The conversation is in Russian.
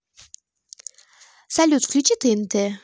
салют включи тнт